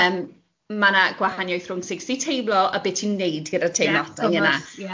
...yym ma'na gwahaniaeth rhwng sut ti'n teimlo a be' ti'n 'neud gyda'r teimladau yna... Ie, ie